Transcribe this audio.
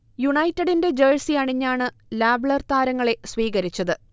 യുണൈറ്റഡിന്റെ ജഴ്സി അണിഞ്ഞാണ് ലാവ്ലെർ താരങ്ങളെ സ്വീകരിച്ചത്